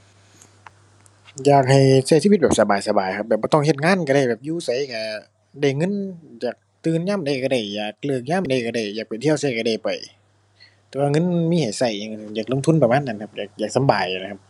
อยากให้ใช้ชีวิตแบบสบายสบายครับ แบบบ่ต้องเฮ็ดงานใช้ได้ แบบอยู่ไสใช้ได้เงิน อยากตื่นยามใดใช้ได้ อยากเลิกยามใดใช้ได้ อยากไปเที่ยวไสใช้ได้ไป แต่ว่าเงินมีให้ใช้ อยาก อยากลงทุนประมาณนั้นครับ อยาก อยากสำบายนั่นน่ะครับ